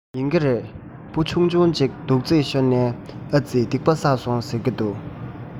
ཡིན གྱི རེད འབུ ཆུང ཆུང ཅིག རྡོག རྫིས ཤོར ནའི ཨ རྩི སྡིག པ བསགས སོང ཟེར གྱི འདུག